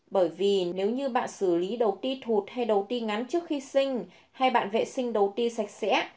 bởi vì nếu như bạn xử lý đầu ti thụt hay đầu ti ngắn trước khi sinh hay bạn vệ sinh đầu ti sạch sẽ